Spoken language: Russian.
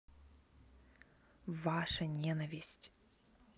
ваша ненависть